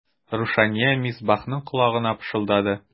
Рушания Мисбахның колагына пышылдады.